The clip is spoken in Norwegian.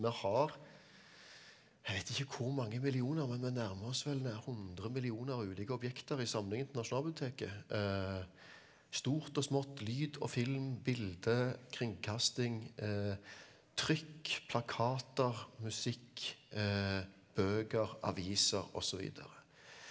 vi har jeg vet ikke hvor mange millioner men vi nærmer oss vel det er 100 millioner ulike objekter i samlingen til Nasjonalbiblioteket stort og smått, lyd og film, bilde, kringkasting, trykk, plakater, musikk, bøker aviser, og så videre.